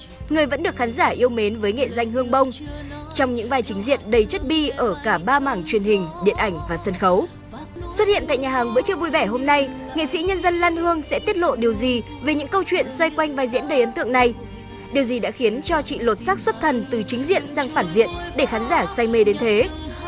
người vẫn được khán giả yêu mến với nghệ danh hương bông trong những vai chính diện đầy chất bi ở cả ba mảng truyền hình điện ảnh và sân khấu xuất hiện tại nhà hàng bữa trưa vui vẻ hôm nay nghệ sĩ nhân dân lan hương sẽ tiết lộ điều gì về những câu chuyện xoay quanh vai diễn đầy ấn tượng này điều gì đã khiến cho chị lột xác xuất thần từ chính diện sang phản diện để khán giả say mê đến thế